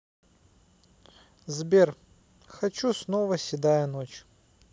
сбер хочу снова седая ночь